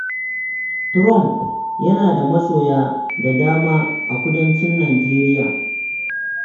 Trump yana da masoya da dama a kudancin Nijeriya.